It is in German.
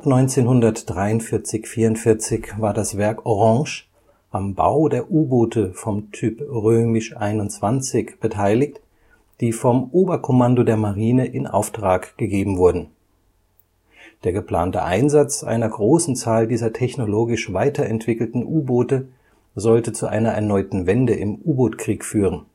1943 / 1944 war das Werk Orange am Bau der U-Boote vom Typ XXI beteiligt, die vom Oberkommando der Marine in Auftrag gegeben wurden. Der geplante Einsatz einer großen Zahl dieser technologisch weiterentwickelten U-Boote sollte zu einer erneuten Wende im U-Boot-Krieg führen